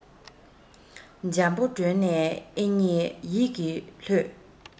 འཇམ པོ བསྒྲོན ནས ཨེ མཉེས ཡིད ཀྱིས ལྷོས